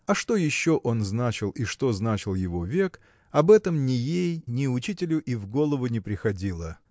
а что еще он значил и что значил его век об этом ни ей ни учителю и в голову не приходило